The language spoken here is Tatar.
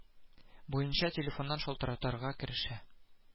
Буенча телефоннан шалтыратырга керешә